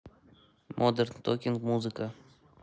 модерн токинг музыка